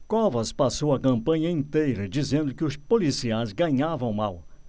covas passou a campanha inteira dizendo que os policiais ganhavam mal